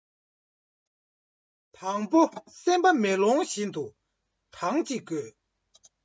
དང པོ སེམས པ མེ ལོང བཞིན དུ དྭངས གཅིག དགོས